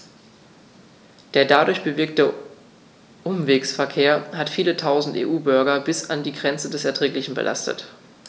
Der dadurch bewirkte Umwegsverkehr hat viele Tausend EU-Bürger bis an die Grenze des Erträglichen belastet.